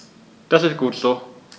Das ist gut so.